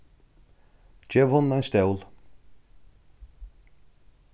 gev honum ein stól